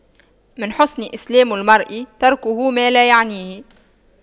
من حسن إسلام المرء تَرْكُهُ ما لا يعنيه